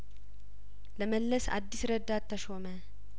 ለመለስ አዲስ ረዳት ተሾመ